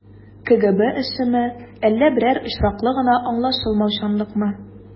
КГБ эшеме, әллә берәр очраклы гына аңлашылмаучанлыкмы?